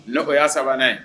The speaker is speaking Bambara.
Nekɔya sabanan